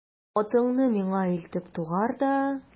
Атыңны миңа илтеп тугар да...